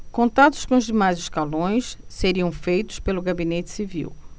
contatos com demais escalões seriam feitos pelo gabinete civil